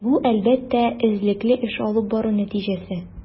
Бу, әлбәттә, эзлекле эш алып бару нәтиҗәсе.